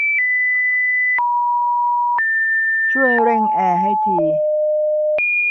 ช่วยเร่งแอร์ให้ที